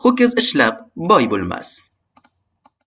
ho'kiz ishlab boy bo'lmas